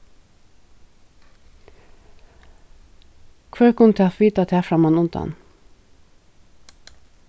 hvør kundi havt vitað tað frammanundan